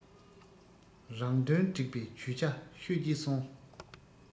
རང དོན སྒྲིག པའི ཇུས ཆ ཤོད ཀྱིན སོང